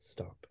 Stop.